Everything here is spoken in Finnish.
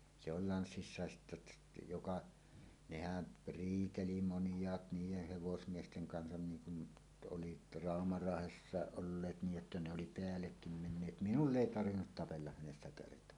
se oli lanssissa sitten että joka nehän riiteli monet niiden hevosmiesten kanssa niin kuin nyt oli Rauma-Raahessakin olleet niin että ne oli päällekin menneet minulla ei tarvinnut tapella hänessä kertaakaan